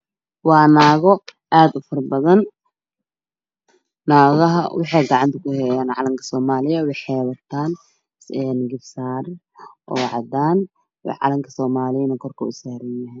Waa naago aad u faro badan waxay gacanta kuhayaan calanka soomaaliya waxay wataan garbasaaro cadaan ah calanka soomaaliyana korkuu usaaran yahay.